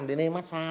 đến đây mát xa